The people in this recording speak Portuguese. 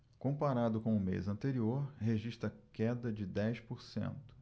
comparado com o mês anterior registra queda de dez por cento